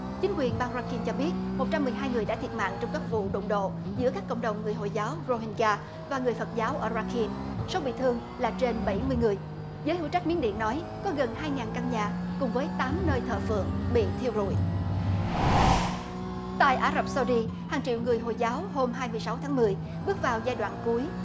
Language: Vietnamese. chính quyền bang ra kin cho biết một trăm mười hai người đã thiệt mạng trong các vụ đụng độ giữa các cộng đồng người hồi giáo rô hin ga và người phật giáo ở ra kin số bị thương là trên bảy mươi người giới hữu trách miến điện nói có gần hai ngàn căn nhà cùng với tám nơi thờ phượng bị thiêu rụi tại ả rập sâu đi hàng triệu người hồi giáo hôm hai mươi sáu tháng mười bước vào giai đoạn cuối